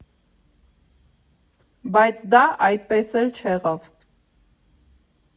Բայց դա այդպես էլ չեղավ։